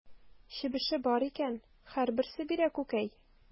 Чебеше бар икән, һәрберсе бирә күкәй.